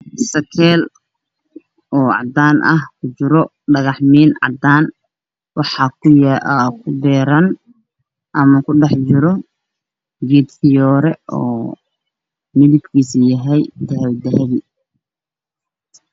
Sikiin ku dhex beeran dugsigii hore midabkeeduna waa dahabi dahabi